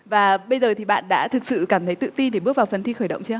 và bây giờ thì bạn đã thực sự cảm thấy tự tin để bước vào phần thi khởi động chưa